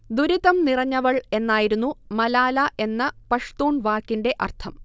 'ദുരിതം നിറഞ്ഞവൾ' എന്നായിരുന്നു മലാല എന്ന പഷ്തൂൺ വാക്കിന്റെ അർഥം